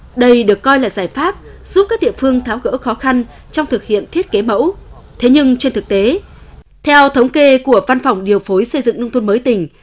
đây được coi là giải pháp giúp các địa phương tháo gỡ khó khăn trong thực hiện thiết kế mẫu thế nhưng trên thực tế theo thống kê của văn phòng điều phối xây dựng nông thôn mới tỉnh